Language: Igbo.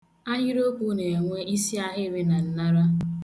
Ahịrịokwu na-enwe isiahịrị na nnara.